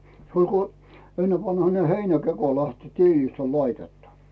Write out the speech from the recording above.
se oli kun ennenvanhainen heinäkeko lähti tiilistä oli laitettu